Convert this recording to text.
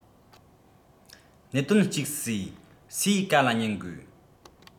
གནད དོན གཅིག སུས སུའི བཀའ ལ ཉན དགོས